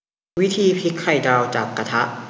วิธีพลิกไข่ดาวจากกระทะ